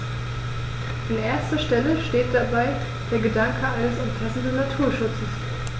An erster Stelle steht dabei der Gedanke eines umfassenden Naturschutzes.